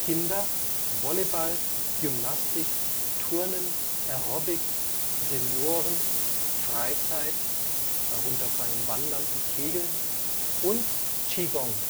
Kinder, Volleyball, Gymnastik, Turnen, Aerobic, Senioren, Freizeit (Wandern, Kegeln) und Qigong